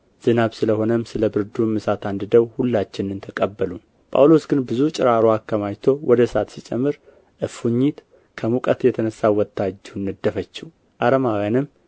ዝናብ ስለ ሆነም ስለ ብርዱም እሳት አንድደው ሁላችንን ተቀበሉን ጳውሎስ ግን ብዙ ጭራሮ አከማችቶ ወደ እሳት ሲጨምር እፉኝት ከሙቀት የተነሣ ወጥታ እጁን ነደፈችው አረማውያንም